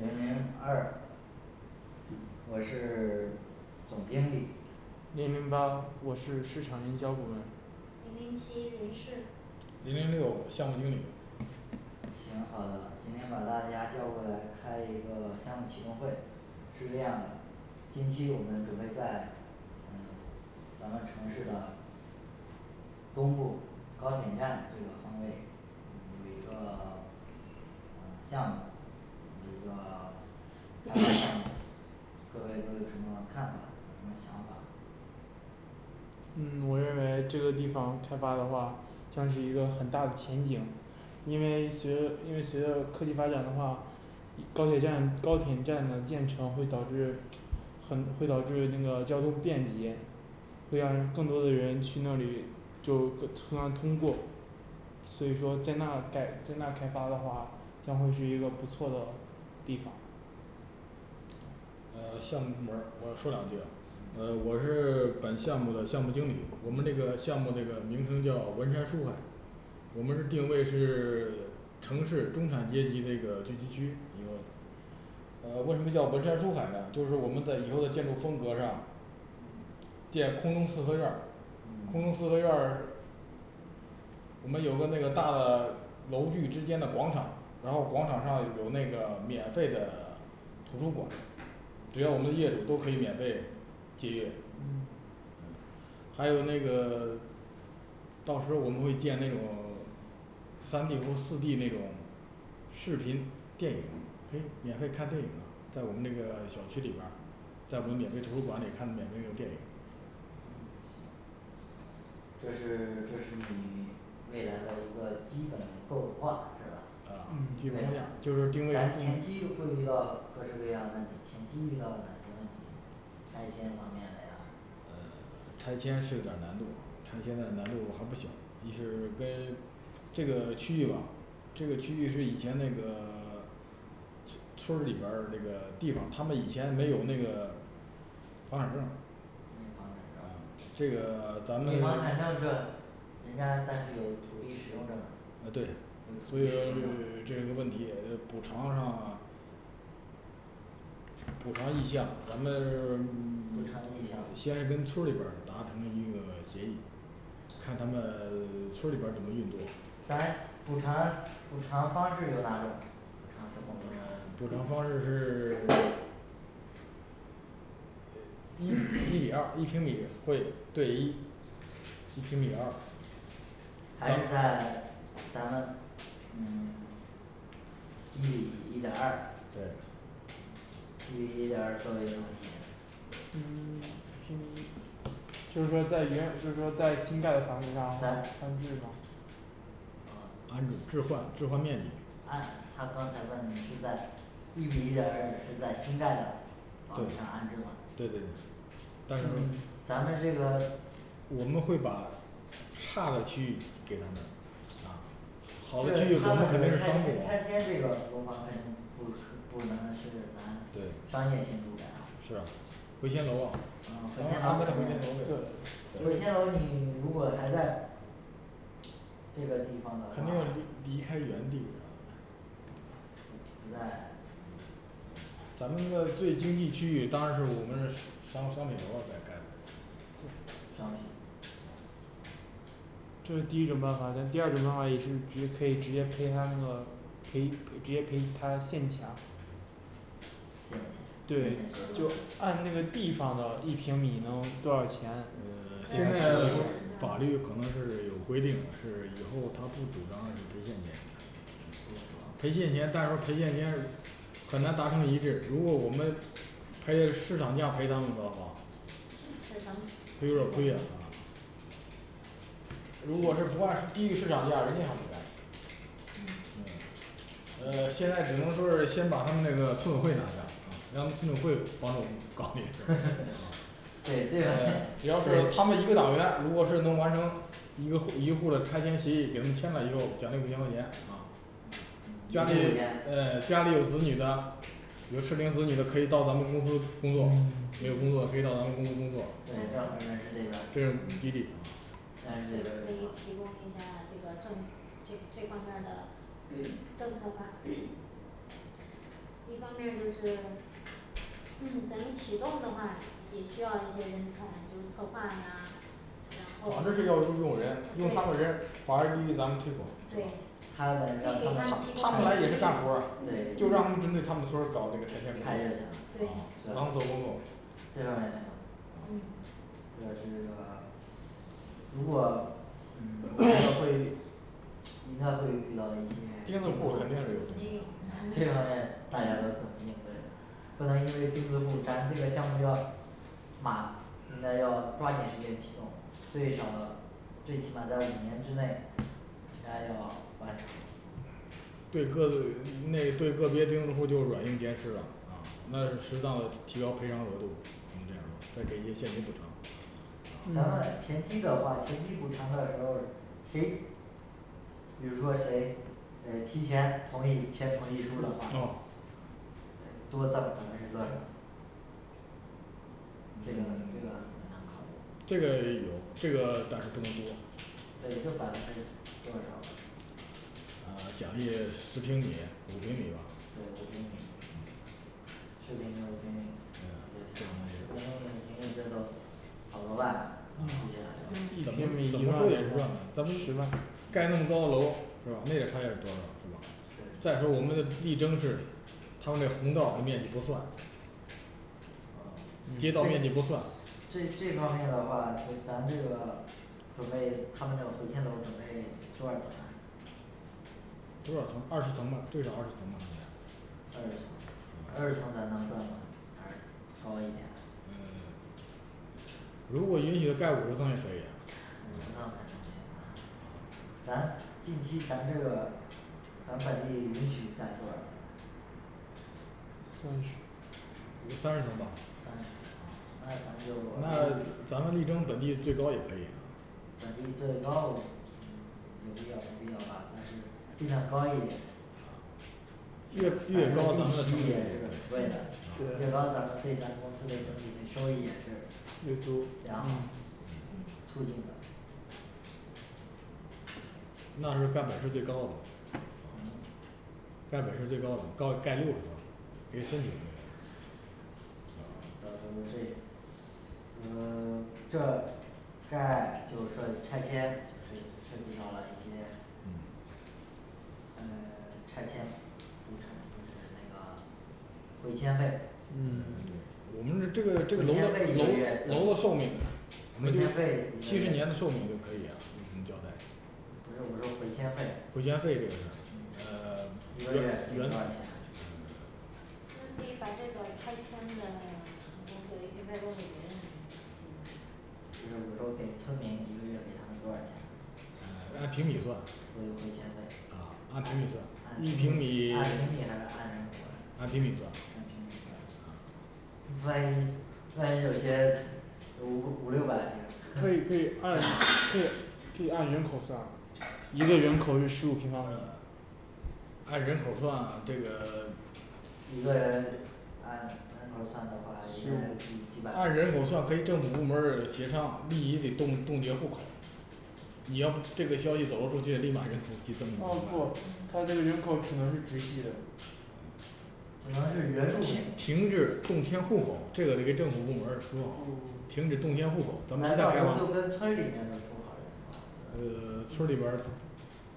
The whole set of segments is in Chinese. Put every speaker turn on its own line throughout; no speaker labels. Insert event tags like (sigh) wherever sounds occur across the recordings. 零零二我是 (silence) 总经理
零零八我是市场营销部门
零零七人事
零零六项目经理
行好的今天把大家叫过来开一个项目启动会是这样的近期我们准备在嗯咱们城市的东部高铁站这个方位有一个 (silence) 嗯项目有一个， (silence) 各位都有什么看法有什么想法
嗯我认为这个地方开发的话像是一个很大的前景因为随着因为随着科技发展的话高铁站高铁站的建成会导致很会导致那个交通便捷会让人更多的人去那里就会会让通过所以说在那改在那开发的话将会是一个不错的地方
呃项目部门儿我说两句啊呃
嗯
我是 (silence) 本项目的项目经理我们这个
嗯
项目这个名称叫文山书海我们是定位是 (silence) 城市
嗯
中产阶级这个聚集区一个呃为什么叫文山书海呢就是我们在以后的建筑风格上建空中四合院儿空中
嗯
四合院儿我们有个那个大的楼距之间的广场然后广场上有那个免费的图书馆只要我们业主都可以免费借阅还有那个 (silence) 到时候我们会建那种 (silence) 三D或四D那种视频电影可以免费看电影，在我们那个小区里边儿，在我们免费图书馆里看免费的电影。
这是这是你未来的一个基本构化是吧
嗯基本上就是定位
咱前期会遇到各式各样的问题前期遇到哪些问题拆迁方面的啊
嗯拆迁是有点儿难度，拆迁的难度还不小一是跟这个区域吧这个区域是以前那个村儿里边儿那个地方他们以前没有那个房产证儿
没房产证
这个 (silence) 咱们
没房产证这人家但是有土地使用证。
呃对，
有土
所
地
以
使
说
用证
是 (silence) 这个问题也是补偿上补偿一下，完了 (silence)
补偿一下
先跟村儿里边儿达成一个协议看他们 (silence) 村儿里边儿怎么运作
咱补偿补偿方式有哪种啊补偿怎么
补
补偿啊
偿方式是 (silence) 一一比二一平米会对一一平米二
还是在 (silence) 咱们嗯 (silence) 一比一点儿二
对
一比一点儿二
嗯 (silence) 嗯就是说在原就是说在新盖的房子上
咱
翻制吗
啊安置置换置换面积
安他刚才问你是在一比一点儿二是在新盖的房子上保
对
持安置吗
对对对但是
咱们这个
我们会把差的区域给他们
啊他
好
们
的区
拆
域
迁
我们肯定是刚够
拆迁这个楼房肯定不不能是咱
对
商业进驻的啊
是啊回迁楼啊，
嗯
嗯
回迁
安排的回
楼
迁楼
对
对
回迁楼你如果还在这个地方的
肯定
话
离离开原地
你在
咱们那个最经济区域当然是我们是当商品楼在盖
对
商品
这是第一种办法的。但第二种方法也是直接可以直接赔他那个赔直接赔他现钱。
现钱
对，就按那个地方的一平米能多少钱
呃现在法律可能是有规定，是以后它不主张是赔现钱赔现钱，但是赔现钱很难达成一致，如果我们赔了市场价赔他们的话，
现在咱们去
可有点儿亏啊如果是不按低于市场价，人家还不干
嗯是
呃现在只能说是先把他们那个村委会拿下啊，让他们村委会帮助我们搞那个啊
(noise) 对。这
只
样
要是
对
他们一个党员，如果是能完成一个户一户儿的拆迁协议，给他们签了以后奖励五千块钱啊
没
家里
有钱，
唉家里有子女的，有适龄子女的可以到咱们公司工作，没有工作可以到咱们公司工作，
对正好人事这边儿
这种激励
人事这边儿
可以
有什么
提供一下这个政这这方面儿的 (crosstalk) 政策法 (crosstalk) 一方面儿就是嗯咱们启动的话也需要一些人才就是策划呀然后
反正这招都是用人，用他
啊
们
对
人反而利于咱们推广
对
他们
可
让
以
他
给
们
他们提
他
跑
供
们来也是干活儿，
对
就
对
让他们针对他们村儿搞这个拆
拆
迁
就
工作
行
啊啊
了
对
让他们做工作
嗯
这是个如果嗯我觉得会应该会遇到一些钉
钉
子
子
户
户儿
儿
肯定是
肯
有
定有
这方面大家都怎么应对不能因为钉子户咱这个项目要马现在要抓紧时间启动最少最起码在五年之内大家要完成
对各自也是内对个别钉子户都软硬兼施了啊那适当的提高赔偿额度只能这样了再给些现金补偿
咱们
嗯
前期的话前期补偿的时候谁比如说谁呃提前同意签同意书的话
啊
对
多赠百分之多少这个这个怎么样考虑
这个有这个但是不能多
对就百分之多少
啊奖励四平米五平米吧
对五平米是比那五平米我肯定容易接受
怎么怎么赚也赚咱们
十万
盖那么高的楼是吧那也得看有多少是吧再说我们的地征是，他们那弘道面积不算
啊
街道面积不算
这这方面的话咱咱这个准备他们那个回迁楼准备多少层啊
多少层？二十层吧最少二十层吧应该
二十层二十层
嗯
咱能赚吗还是高了一点啊。
嗯 (silence) 如果允许盖五十层也可以啊
五十层肯定不行咱近期咱这个，咱本地允许盖多少层啊
三十。
有三十层吧
三十啊那咱们就，
那咱们力争本地最高也可以呀
本地最高没必要没必要吧，但是尽量高一点
越越
利
高咱们的成本
息也是
越
对的，越高咱们对咱们的这个收益也
越
是
多
良好嗯促进了，
那是盖北是最高的楼
嗯
盖北是最高的高盖六十层可以申请
行到时候这嗯 (silence) 这盖就是说拆迁涉及到了一些
嗯
嗯拆迁补偿就是那个回迁费
嗯我们这个这个楼
回
的
迁费也
楼楼的寿命
回迁费
七十年的寿命就可以啊我们交代
不是我说回迁费，
回迁费这个事儿
呃一个月有多少钱
其实可以把这个拆迁的 (silence) 工作也可以外包给别人
就是我说给村民一个月给他们多少钱
嗯按平米算
回回迁费
啊
啊
按平米
按
算一
平
平
米
米
按平米还是按人口哎
按平米算
按平米算
啊
万一万一有些五五六百平
可以可以按可以可以按人口算，一个人口是十五平方米
按人口算这个 (silence)
一个人按人头儿算的话，一个人几百
按人口算可以政府部门儿协商立即得冻冻结户口你要这个消息走漏出去，立马人口激增
哦不它这个人口只能是直系的。
只能是原住
提 (unintelligible)
民
停止动迁户口，这个也给政府部门儿说好停止动迁户口咱
咱
们
到时候村儿里面儿的
呃村里边儿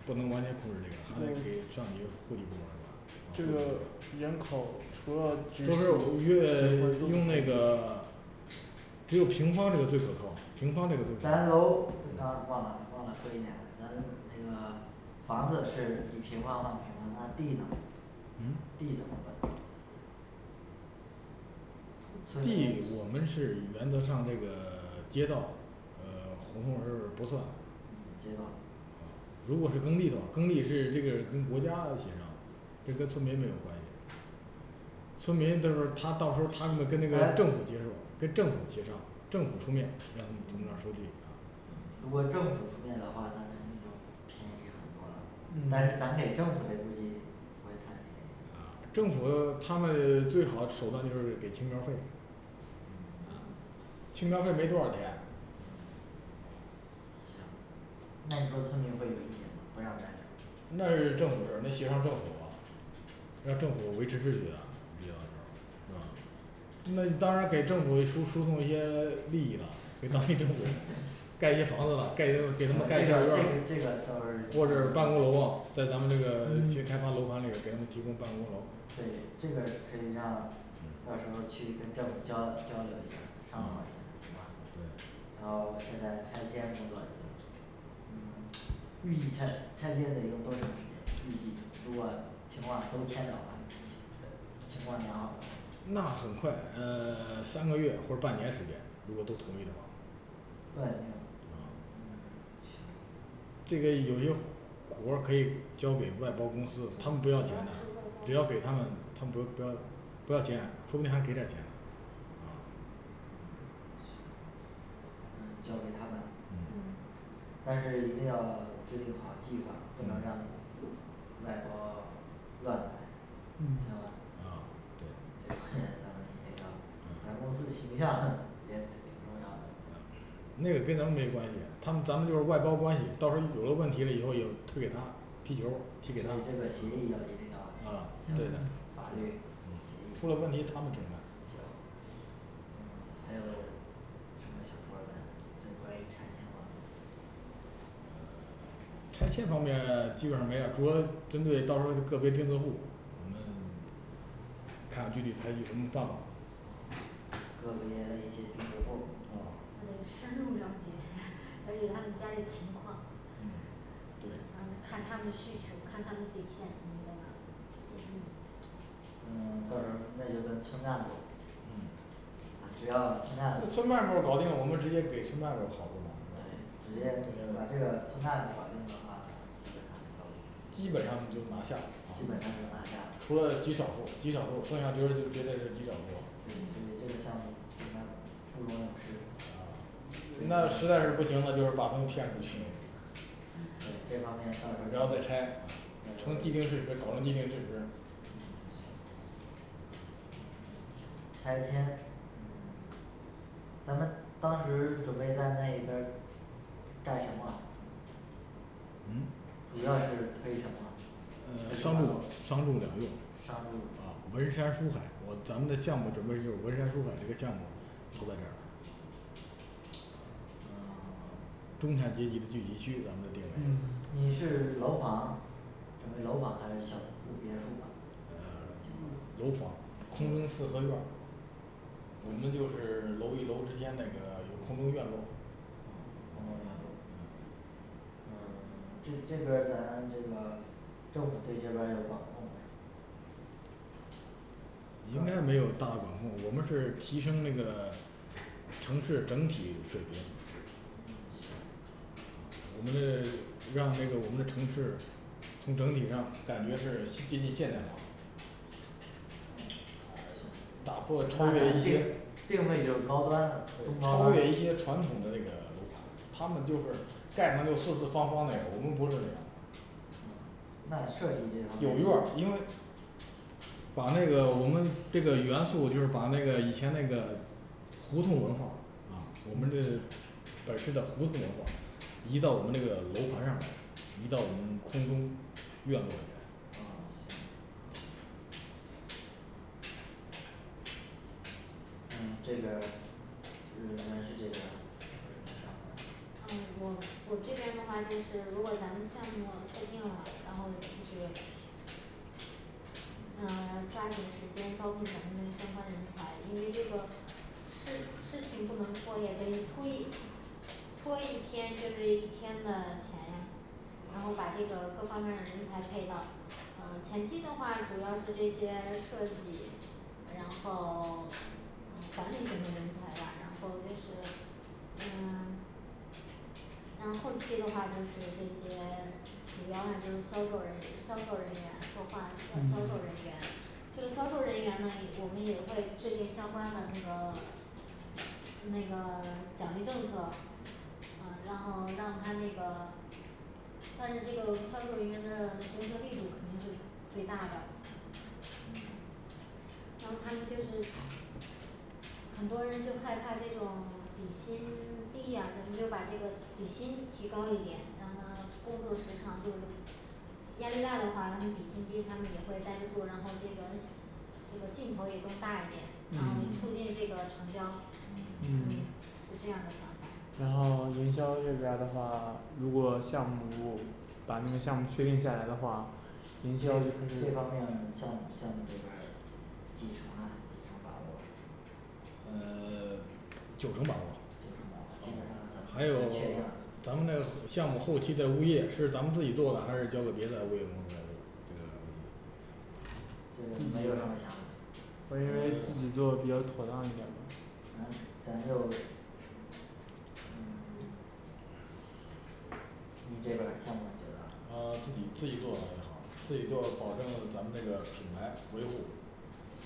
不能完全控制这个，还得给上级户籍部门管啊
这个人口除了只
都是月用那个只有平方这个最可靠平方这个
咱楼，刚刚忘了说一点，咱那个房子是以平方换平方那地呢
嗯
地怎么办村里
地我们是原则上这个 (silence) 街道呃胡同是不算
嗯街道
啊如果是耕地的话耕地是这个跟国家协商，这跟村民没有关系村民到时候他到时候他们跟那个政府接
咱
触，跟政府协商政府出面让我们从那收地啊
如果有政府出面的话，那肯定就便宜很多了，但是
嗯
咱给政府的估计不会太少
啊政府的他们最好手段就是给青苗儿费，青苗儿费没多少钱
行那你说村民会有意见吗不让咱
那
拆
是政府事儿那协商政府让政府维持秩序啊必要的时候是吧那你当然给政府输输送一些利益了，给当地 (noise) 政府盖一些房子了，盖给
这个这个
他们盖起来
这个倒
或
是
者办公楼啊在咱们这个新开发楼盘里给他们提供办公楼
对这个可以让到时候去跟政府交交流一下儿看看行吧
对
好现在拆迁工作结束了嗯 (silence) 预计拆拆迁得用多长时间，预计如果情况都迁的话
那很快嗯 (silence) 三个月或者半年时间如果都同意的话
半年嗯行
这个有用活儿可以交给外包公司，他们不
主
要
要是
钱呢只
外包
要给他们他们不不不要钱说不定还给点儿钱呢
嗯行嗯交给他们
嗯
嗯
但是一定要制定好计划不能让外包乱来，行
嗯
吧？
啊对
咱们一定要咱们公司形象也挺重要的
那个跟咱们没关系，他们咱们就是外包关系到时候有了问题了以后也推给他踢球儿
可
踢给
以
他
这个协议
啊对的
法律
出了问题他们承担
行嗯还有什么想说的在关于拆迁方面
拆迁方面基本上没有，主要针对到时候就个别钉子户儿，我们看具体采取什么办法
个别的一些钉子户儿
还得深入了解，了解他们家里
嗯
情况
对
然后看他们的需求，看他们底线什么的
嗯到时候那就跟，村干部儿
嗯
只要村干部儿
村干部呃搞定了，我们直接给村干部儿好处嘛
对直接把这个村干部儿搞定的话咱们基本上就
基本上就拿下
基本上就拿下了
除了极少数儿，极少数儿剩下就是就这些极少
对所以
数儿了
这个项目比其他不容有失
那实在是不行了就是把他们骗出去
这这方面到时
然后
候
再拆，成既定事实，搞成既定事实。
拆迁咱们当时准备在那边儿干什么
嗯
主要是推什么
呃商住商住两用
商
啊
住
文山书海，咱们这个项目准备用文山书海这个项目投在这儿
嗯， (silence)
中产阶级的聚集区咱们的店
你是楼房准备楼房还是想有别墅吗
嗯楼房，空中四合院儿我们就是楼与楼之间那个有空中院落
空中院落嗯这这边儿咱这个政府对这边儿有管控没，
应该没有大的管控，我们是提升那个城市整体水平
嗯行
我们得让那个我们的城市从整体上感觉是接近现代化
嗯行
打破
那
超
咱
越一
定
切
定位就是高端中
对
高
超
端
越一些传统的楼盘。他们盖成就四四方方那个我们不是那种
嗯那设计这方
有院儿
面
因为把那个我们这个元素就是把那个以前那个胡同文化啊我们的本市的胡同文化移到我们这个楼盘上来移到我们空中院落里来
啊行嗯这边儿人人事这边儿有什么想法儿
嗯我我这边的话就是如果咱们项目确定了，然后就是呃抓紧时间招聘咱们这个相关人才，因为这个事事情不能拖延给你故意拖一天就是一天的钱呀然后把这个各方面儿的人才配到前期的话主要是这些设计然后管理型的人才吧然后这是嗯 (silence) 然后期的话就是这些主要就是销售人、销售人员、策划销售人
嗯
员这个销售人员呢，我们也会制定相关的这个那个 (silence) 奖励政策，啊然后让他那个但是这个销售人员的工作力度肯定是最大的。当他们就是很多人就害怕这种底薪低呀，咱们就把这个底薪提高一点，然后工作时长就压力大的话，底薪低他们也会呆得住然后这个那个劲头也更大一点，然后
嗯
促进这个成交嗯
嗯
是这样的想法
然后营销这边儿的话，如果项目部把那个项目确定下来的话营销就是
这方面项目项目这边儿几成啊几成把握
嗯 (silence) 九成把握
九成把握现在
还
还
有
没确定
咱们这个项目后期的物业是咱们自己做呢，还是交给别的物业公司来做，这个问题
这个你们有什么想法
我认为自己做比较妥当一点吧
反正咱又嗯 (silence) 你这边儿项目觉得
呃自己自己做比较好，自己做保证咱们这个品牌维护